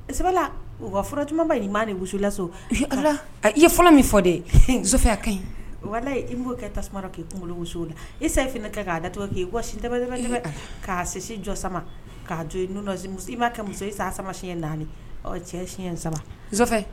Sabula wa fura camanba nin' de musolaso i ye fɔlɔ min fɔ dɛya ka i'o kɛ tasuma k'i kunkolo la i sa fana k'a da tɔgɔ' wa k'a sisi jɔ sama k'a i'a kɛ muso san sama siyɛn naani cɛ siyɛn saba